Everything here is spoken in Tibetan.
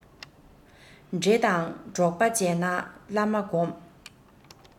འདྲེ དང གྲོགས པོ བྱེད ན བླ མ སྒོམས